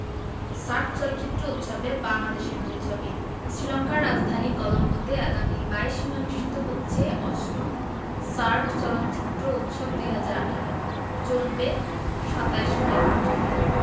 SAARC চলচ্চিত্র উৎসবে বাংলাদেশের দুই ছবি শ্রীলংকার রাজধানী কলম্বোতে আগামী ২২ মে অনুষ্ঠিত হচ্ছে ৮ম সার্ক চলচ্চিত্র উৎসব ২০১৮ চলবে ২৭ মে পর্যন্ত